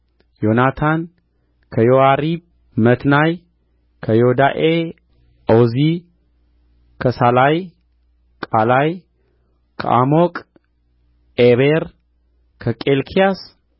ዮናታን ከዮያሪብ መትናይ ከዮዳኤ ኦዚ ከሳላይ ቃላይ ከዓሞቅ ዔቤር ከኬልቅያስ